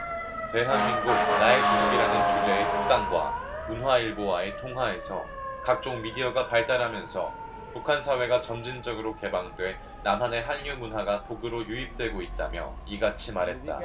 대한민국 나의 조국이라는 주제의 특강과 문화일보와의 통화에서 각종 미디어가 발달하면서 북한 사회가 점진적으로 개방돼 남한의 한류 문화가 북으로 유입되고 있다며 이같이 말했다